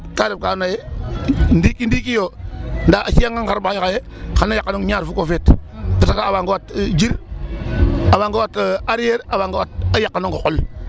Kaa ref ka andoona yee ndiiki, ndiiki yo ndaa a ci'angang xarɓaxay xaye xan a yaqanong ñaar fukk o feet parce que a waagango at jir, a waagang o a arrière, a waagango at, a yaqanong o qol.